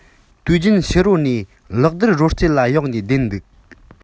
དུས རྒྱུན ཕྱི རོལ ནས གློག རྡུལ རོལ རྩེད ལ གཡེང ནས བསྡད འདུག